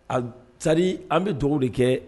A tari an bɛ tɔgɔ de kɛ